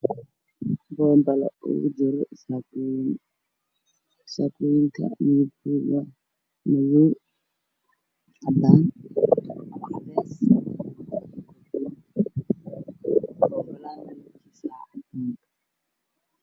Waa meel maqaayad ah waxaan yaalo kuraas kuraastaas waxaa fadhiyo niman ajaanib ah oo dhariska ee bato